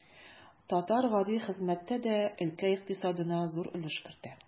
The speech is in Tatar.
Татар гади хезмәттә дә өлкә икътисадына зур өлеш кертә.